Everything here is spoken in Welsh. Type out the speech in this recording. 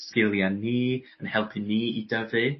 sgilie ni yn helpu ni i dyfu